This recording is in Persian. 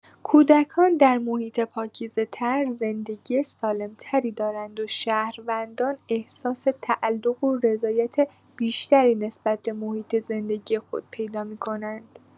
کودکان در محیط پاکیزه‌تر زندگی سالم‌تری دارند و شهروندان احساس تعلق و رضایت بیشتری نسبت به محیط زندگی خود پیدا می‌کنند.